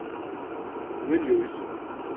vaniljuís